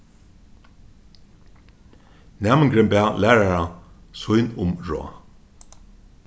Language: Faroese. næmingurin bað lærara sín um ráð